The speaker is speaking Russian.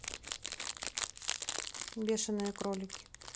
бешеные кролики